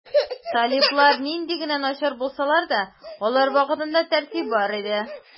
Талиблар нинди генә начар булсалар да, алар вакытында тәртип бар иде.